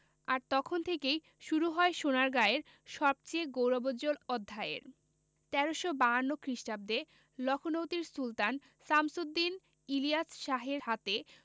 আর তখন থেকেই শুরু হয় সোনারগাঁয়ের সবচেয়ে গৌরবোজ্জ্বল অধ্যায়ের ১৩৫২ খ্রিস্টাব্দে লখনৌতির সুলতান শামসুদ্দীন ইলিয়াস শাহের হাতে